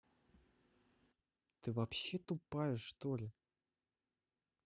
ты вообще тупая что ли